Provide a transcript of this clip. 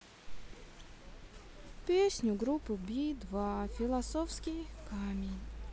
песню группы би два философский камень